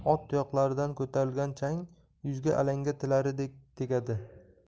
tuyoqlaridan ko'tarilgan chang yuzga alanga tillaridek tegadi